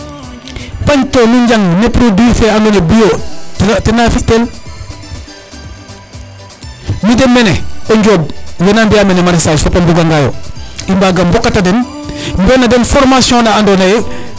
panj to nu njang produit fe ando naye BIO tene fi tel mide mene o Njob wene mbiya maraissage fop a mbuga nga yo i mbga mbokata den mbiya na den formation na ando naye